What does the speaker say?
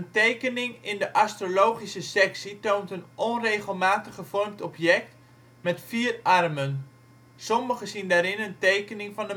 tekening in de astrologische sectie toont een onregelmatig gevormd object met vier armen. Sommigen zien daarin een tekening van